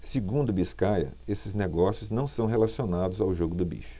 segundo biscaia esses negócios não são relacionados ao jogo do bicho